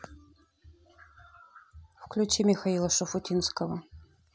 включи михаила шуфутинского